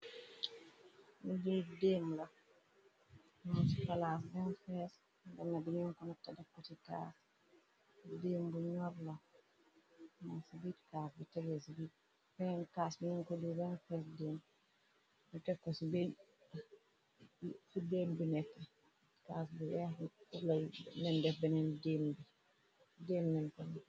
Liju deem la munci falas 2en fes nbanna biñum ko natta dekko ci kaas diim bu ñorla manc bitkas bi teges bi benen caas nunko du wen fees dim nu tekko ci deem bi net cas bu weex urlay nendex bdeem nen kone.